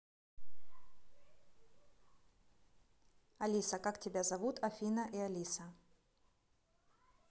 алиса как тебя зовут афина и алиса